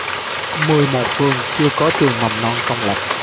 mười một phường chưa có trường mầm non công lập